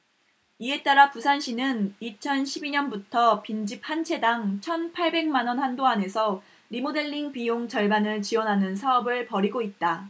이에 따라 부산시는 이천 십 이 년부터 빈집 한 채당 천 팔백 만원 한도 안에서 리모델링 비용 절반을 지원하는 사업을 벌이고 있다